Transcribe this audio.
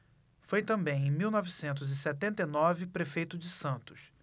foi também em mil novecentos e setenta e nove prefeito de santos